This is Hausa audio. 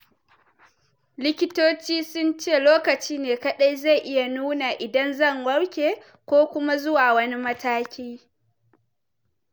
Likitoci sunce lokaci ne kadai zai iya nuna idan zan warke ko kuma zuwa wane mataki.